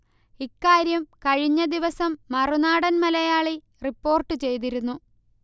ഇക്കാര്യം കഴിഞ്ഞ ദിവസം മറുനാടൻ മലയാളി റിപ്പോർട്ട് ചെയ്തിരുന്നു